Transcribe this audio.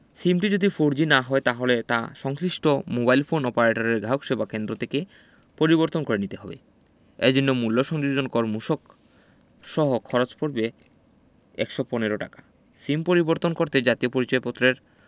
সিমটি যদি ফোরজি না হয় তাহলে তা সংশ্লিষ্ট মোবাইল ফোন অপারেটরের গাহকসেবা কেন্দ্র থেকে পরিবর্তন করে নিতে হবে এ জন্য মূল্য সংযোজন কর মূসক সহ খরচ পড়বে ১১৫ টাকা সিম পরিবর্তন করতে জাতীয় পরিচয়পত্রের